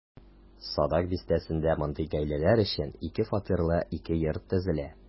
Садак бистәсендә мондый гаиләләр өчен ике фатирлы ике йорт төзелә.